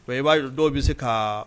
Mais i bayuru dɔw bɛ se kaaa